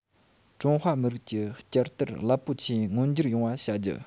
ཀྲུང ཧྭ མི རིགས ཀྱི བསྐྱར དར རླབས པོ ཆེ མངོན འགྱུར ཡོང བ བྱ རྒྱུ